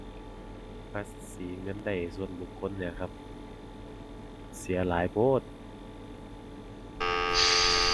ภาษีเงินได้ส่วนบุคคลนี่ล่ะครับ เสียหลายโพด